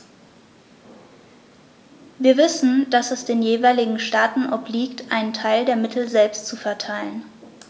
Wir wissen, dass es den jeweiligen Staaten obliegt, einen Teil der Mittel selbst zu verteilen.